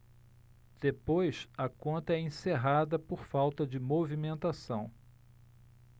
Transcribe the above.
depois a conta é encerrada por falta de movimentação